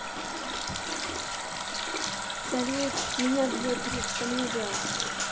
салют меня бьет друг что мне делать